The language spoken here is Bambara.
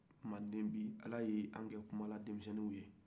mande bi ala ye anw kɛ kumaladenmisɛnninw ye